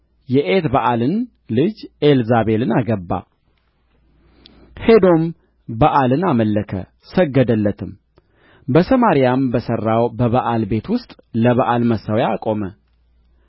የኤትበኣልን ልጅ ኤልዛቤልን አገባ ሄዶም በኣልን አመለከ ሰገደለትም በሰማርያም በሠራው በበኣል ቤት ውስጥ ለበኣል መሠዊያ አቆመ አክዓብም የማምለኪያ ዐፀድ ተከለ